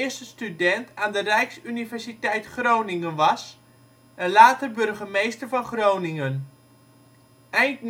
student aan de Rijksuniversiteit Groningen was en later burgemeester van Groningen. Eind